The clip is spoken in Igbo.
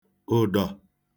ụdọ